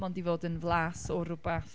mond i fod yn flas o rywbeth.